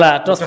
voilà